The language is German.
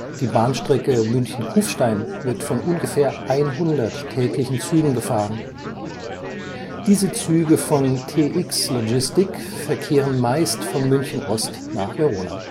Die Bahnstrecke München – Kufstein wird von ungefähr 100 täglichen Zügen befahren. Diese Züge von TX Logistic verkehren meist von München Ost nach Verona